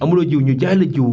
amuloo jiwu ñu jaay la jiwu